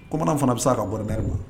Bamanan fana bɛ se ka bɔɛri kuwa